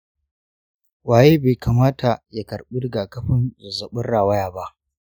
waye bai kamata ya karbi rigakafin zazzabin rawaya ba?